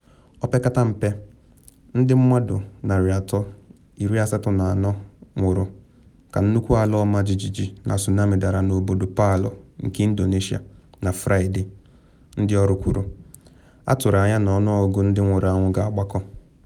Opekata mpe ndị mmadụ 384 nwụrụ ka nnukwu ala ọmajiji na tsunami dara n’obodo Palu nke Indonesia na Fraịde, ndị ọrụ kwuru, atụrụ anya na ọnụọgụ ndị nwụrụ anwụ ga-agbakọ.